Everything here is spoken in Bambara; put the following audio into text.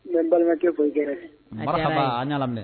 N n balimakɛ an lamɛn